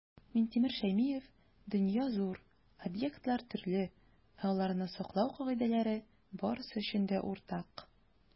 Минтимер Шәймиев: "Дөнья - зур, объектлар - төрле, ә аларны саклау кагыйдәләре - барысы өчен дә уртак".